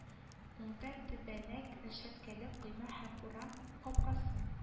Уңда тәбәнәк рәшәткәле койма һәм урам капкасы